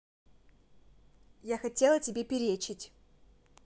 я хотела тебе перечить